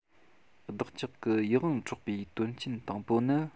བདག ཅག གི ཡིད དབང འཕྲོག པའི དོན རྐྱེན དང པོ ནི